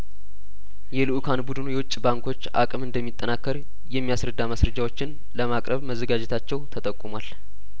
የልኡካን ቡድኑ የውጭ ባንኮች አቅም እንደሚጠናከር የሚያስረዳ ማስረጃዎችን ለማቅረብ መዘጋጀታቸው ተጠቁሟል